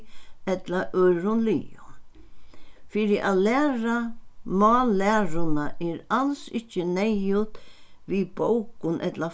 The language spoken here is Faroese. ella øðrum liðum fyri at læra mállæruna er als ikki neyðugt við bókum ella